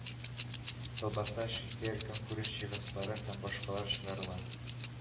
Колбаса, шикәр, көнкүреш җиһазлары һәм башкалар чыгарыла